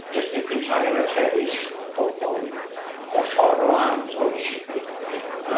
M- yy jys dipyn llai na'r fferis pobol hollol ar wahân wrth gwrs... Ia.